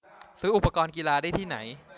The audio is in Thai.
ซื้ออุปกรณ์กีฬาได้ที่ไหน